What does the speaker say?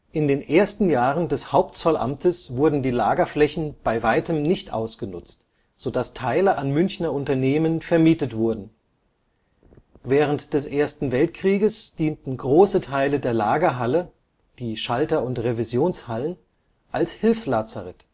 In den ersten Jahren des Hauptzollamtes wurden die Lagerflächen bei weitem nicht ausgenutzt, so dass Teile an Münchner Unternehmen vermietet wurden. Während des Ersten Weltkriegs dienten große Teile der Lagerhalle, die Schalter - und die Revisionshallen als Hilfslazarett